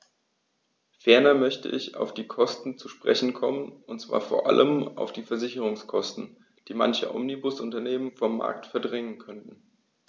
Ferner möchte ich auf die Kosten zu sprechen kommen, und zwar vor allem auf die Versicherungskosten, die manche Omnibusunternehmen vom Markt verdrängen könnten.